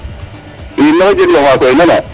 Iyo maxey jeegloxa koy nanaa